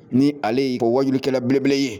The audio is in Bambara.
Ni ale ko wariurukɛla bbele ye